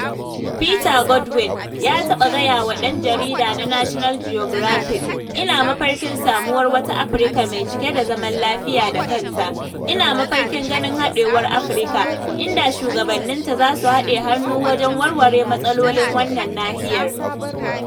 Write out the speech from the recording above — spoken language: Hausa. Peter Godwin, ya taɓa gayawa ɗan jarida na National Geographic,“Ina mafarkin samuwar wata Afirka mai cike da zaman lafiya da kanta... Ina mafarkin ganin haɗewar Afirka, inda shugabanninta zasu haɗa hannu wajen warware matsalolin wannan nahiyar."